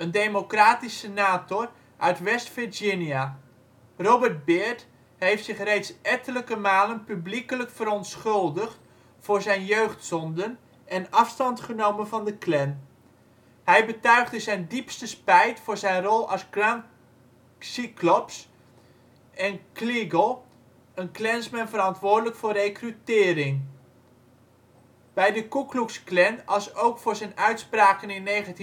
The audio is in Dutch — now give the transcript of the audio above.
democratisch senator uit West Virginia. Robert Byrd heeft zich reeds ettelijke malen publiekelijk verontschuldigd voor zijn jeugdzonden en afstand genomen van de Klan. Hij betuigde zijn " diepste spijt " voor zijn rol als Grand Cyclops en Kleagle (een Klansman verantwoordelijk voor rekrutering) bij de Ku Klux Klan, alsook voor zijn uitspraken uit 1958